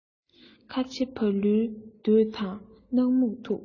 ཁ ཆེ ཕ ལུའི འདོད དང སྣག སྨྱུག ཐུག